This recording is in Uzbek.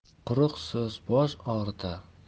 quruq so'z bosh og'ritar